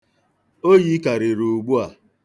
Oyi karịrị ugbu a.